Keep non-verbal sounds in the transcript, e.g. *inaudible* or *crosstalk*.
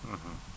*hesitation* *hesitation*